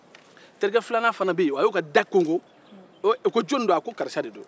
terikɛ filanan fana bɛ ye a y'a da konko o ko joni do a ko karisa de do